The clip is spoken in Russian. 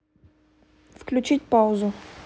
выключить паузу